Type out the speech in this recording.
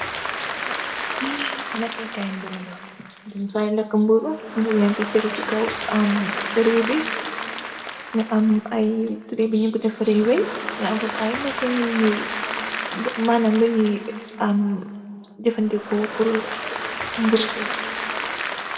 Fii lakékaay mburu la, mburu yaa ngi tegu si kow tirëëy bi, tirëëy bi ñuñg ko defaree wéñge. Nga am foo fu masin yu ñuy, maanam lu ñuy jafëndeko pur mburu bi.